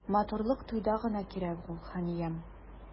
Матурлык туйда гына кирәк ул, ханиям.